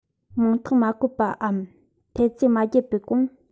མིང རྟགས མ བཀོད པའམ ཐེལ ཙེ མ བརྒྱབ པའི གོང